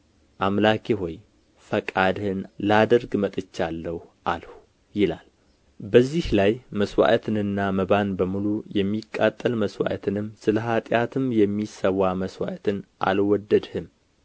አምላኬ ሆይ ፈቃድህን ላደርግ መጥቼአለሁ አልሁ ይላል በዚህ ላይ መሥዋዕትንና መባን በሙሉ የሚቃጠል መሥዋዕትንም ስለ ኃጢአትም የሚሰዋ መሥዋዕትን አልወደድህም